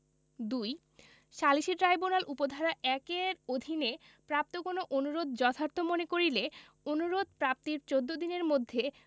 ২ সালিসী ট্রাইব্যূনাল উপ ধারা ১ এর অধীনে প্রাপ্ত কোন অনুরোধ যথার্থ মনে করিলে অনুরোধ প্রাপ্তির চৌদ্দ দিনের মধ্যে